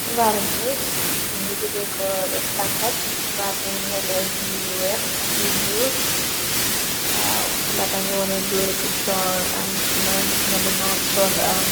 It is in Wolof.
Xibaari news mingi jogeko da standard, xibaar bi mingi amme binde yu weex ak yu nyuul, waw xibaar bange wane goor gu sol baxana bu nar, sol amm